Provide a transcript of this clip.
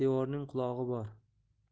devorning qulog'i bor